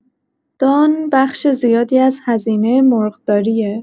دان بخش زیادی از هزینه مرغداریه.